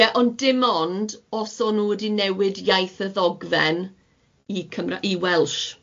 Ie, ond dim ond os o'n nw di newid iaith y ddogfen i Cymra- i Welsh.